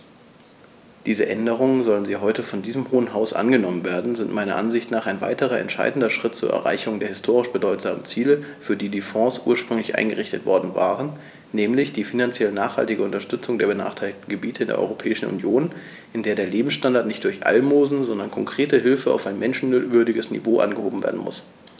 Diese Änderungen, sollten sie heute von diesem Hohen Haus angenommen werden, sind meiner Ansicht nach ein weiterer entscheidender Schritt zur Erreichung der historisch bedeutsamen Ziele, für die die Fonds ursprünglich eingerichtet worden waren, nämlich die finanziell nachhaltige Unterstützung der benachteiligten Gebiete in der Europäischen Union, in der der Lebensstandard nicht durch Almosen, sondern konkrete Hilfe auf ein menschenwürdiges Niveau angehoben werden muss.